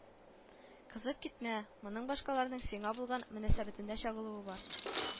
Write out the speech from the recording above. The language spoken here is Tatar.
Кызып китмә, моның башкаларның сиңа булган мөнәсәбәтендә чагылуы бар